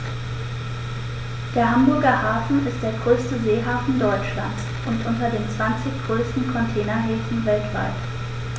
Der Hamburger Hafen ist der größte Seehafen Deutschlands und unter den zwanzig größten Containerhäfen weltweit.